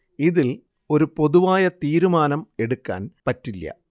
ഇതില്‍ ഒരു പൊതുവായ തീരുമാനം എടുക്കാന്‍ പറ്റില്യ